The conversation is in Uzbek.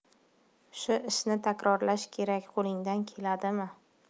shu ishni takrorlash kerak qo'lingdan keladimi